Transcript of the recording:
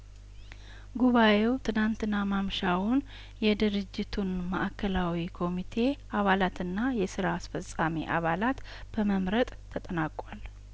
ጉባኤው ትናንትና ማምሻውን የድርጅቱን ማእከላዊ ኮሚቴ አባላትና የስራ አስፈጻሚ አባላት በመምረጥ ተጠናቋል